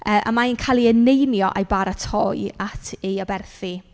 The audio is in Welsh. Yy a mae'n cael ei eneinio a'i baratoi at ei aberthu.